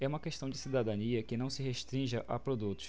é uma questão de cidadania que não se restringe a produtos